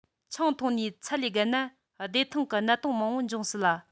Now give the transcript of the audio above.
ཆང འཐུང ནས ཚད ལས བརྒལ ན བདེ ཐང གི གནད དོན མང པོ འབྱུང སྲིད ལ